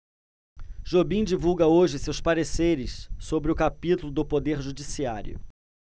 jobim divulga hoje seus pareceres sobre o capítulo do poder judiciário